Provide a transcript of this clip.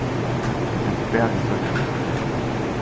hetta hendir bara í føroyum